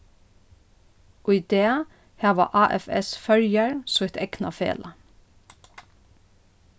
í dag hava afs føroyar sítt egna felag